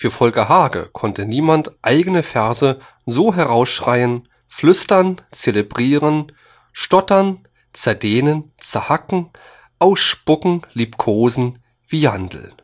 Volker Hage konnte niemand „ eigene Verse so herausschreien, flüstern, zelebrieren, stottern, zerdehnen, zerhacken, ausspucken, liebkosen “wie Jandl